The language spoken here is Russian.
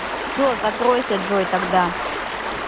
все закройся джой тогда